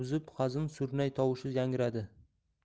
buzib hazin surnay tovushi yangradi